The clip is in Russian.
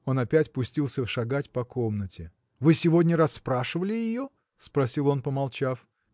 Он опять пустился шагать по комнате. – Вы сегодня расспрашивали ее? – спросил он, помолчав.